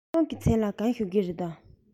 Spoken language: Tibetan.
ཁོང གི མཚན ལ ག རེ ཞུ གི ཡོད རེད